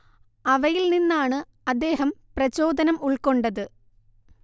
അവയിൽ നിന്നാണ് അദ്ദേഹം പ്രചോദനം ഉൾക്കൊണ്ടത്